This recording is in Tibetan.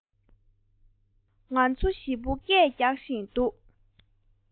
མཱ མཱ ང ཚོ བཞི པོ སྐད རྒྱག བཞིན